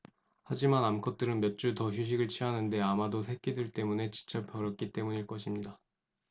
하지만 암컷들은 몇 주 더 휴식을 취하는데 아마도 새끼들 때문에 지쳐 버렸기 때문일 것입니다